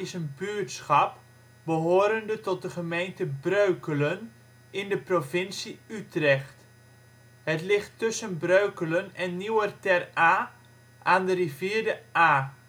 buurtschap behorende tot de gemeente Breukelen in de provincie Utrecht. Het ligt tussen Breukelen en Nieuwer Ter Aa aan de rivier de Aa